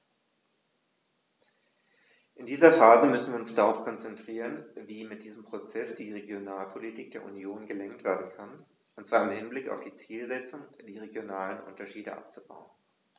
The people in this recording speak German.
In dieser Phase müssen wir uns darauf konzentrieren, wie mit diesem Prozess die Regionalpolitik der Union gelenkt werden kann, und zwar im Hinblick auf die Zielsetzung, die regionalen Unterschiede abzubauen.